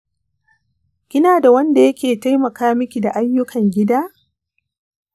kina da wanda yake taimaka miki da ayyukan gida?